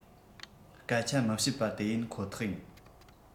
སྐད ཆ མི བཤད པ དེ ཡིན ཁོ ཐག ཡིན